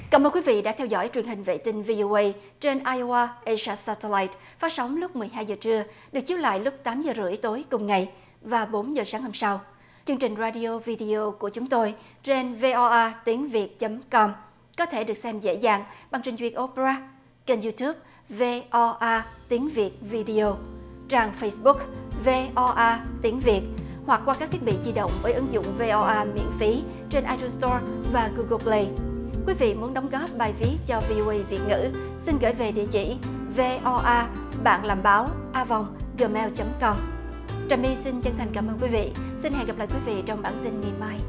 cảm ơn quý vị đã theo dõi truyền hình vệ tinh vi ô ây ai trên ai ô a ây sa sa ta lai phát sóng lúc mười hai giờ trưa được chiếu lại lúc tám giờ rưỡi tối cùng ngày và bốn giờ sáng hôm sau chương trình ra đi ô vi đi ô của chúng tôi trên vê o a tiếng việt chấm com có thể được xem dễ dàng bằng trình duyệt ô pê ra kênh iu túp vê o a tiếng việt vi đi ô trang phây sờ búc vê o a tiếng việt hoặc qua các thiết bị di động với ứng dụng vê o a miễn phí trên ai tun sờ to và hu gồ pờ lây quý vị muốn đóng góp bài viết cho vi ô ây việt ngữ xin gửi về địa chỉ vê o a bạn làm báo a vòng gờ meo chấm com trà my xin chân thành cảm ơn quý vị xin hẹn gặp lại quý vị trong bản tin ngày mai